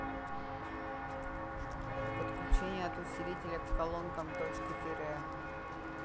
подключение от усилителя к колонкам точка тире